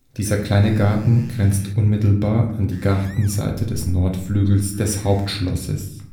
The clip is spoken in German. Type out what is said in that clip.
Dieser kleine Garten grenzt unmittelbar an die Gartenseite des Nordflügels des Hauptschlosses